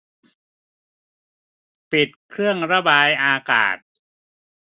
ปิดเครื่องระบายอากาศ